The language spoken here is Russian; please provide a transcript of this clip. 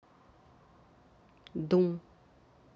дум